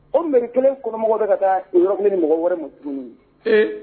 O mi kelen kɔnɔmɔgɔw bɛ ka taa i yɔrɔg ni mɔgɔ wɛrɛ ma tun ye ee